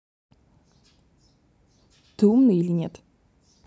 ты умный или нет